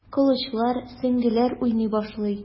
Кылычлар, сөңгеләр уйный башлый.